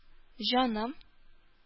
Җаным